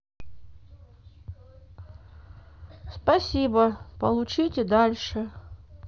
спасибо получить и дальше